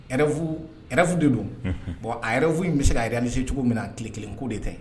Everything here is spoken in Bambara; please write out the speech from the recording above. f de don bɔn a yɛrɛffu bɛ se ka a yɛrɛ ni se cogo min na a tile kelen ko de tɛ